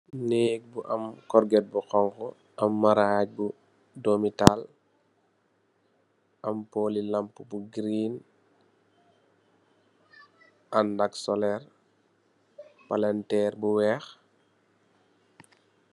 nek bu am korget bu xonxu am maraji domi daal am boli lamp bu green andak soleer paranteer bu weex